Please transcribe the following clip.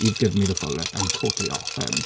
you've given me the full ick. I'm totally off him.